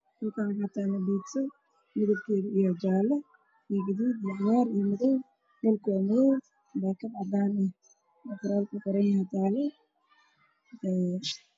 Miishaan waxay al-shahan saxankaas ayaa waxaa ku jiro biza kale kalarkiisuna wajaale